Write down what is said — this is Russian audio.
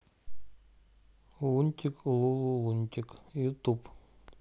лунтик лулулунтик ютуб